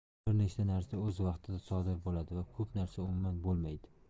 bir nechta narsa o'z vaqtida sodir bo'ladi va ko'p narsa umuman bo'lmaydi